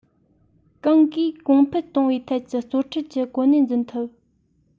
གང གིས གོང འཕེལ གཏོང བའི ཐད ཀྱི གཙོ ཁྲིད ཀྱི གོ གནས འཛིན ཐུབ